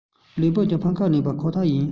ལིའུ པང ནི ཕམ ཁ ལེན པ ཁོ ཐག ཡིན